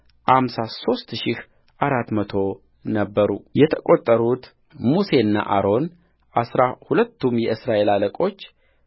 አምሳ ሦስት ሺህ አራት መቶ ነበሩየተቈጠሩት ሙሴና አሮን አሥራ ሁለቱም የእስራኤል አለቆች